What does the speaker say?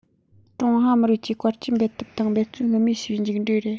ཀྲུང ཧྭ མི རིགས ཀྱིས དཀའ སྤྱད འབད འཐབ དང འབད བརྩོན ལྷོད མེད བྱས པའི མཇུག འབྲས རེད